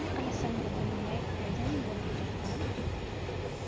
nima qilishimni bilmay tajang bo'lib tursam